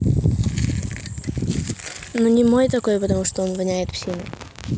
ну не мой такой потому что он воняет псиной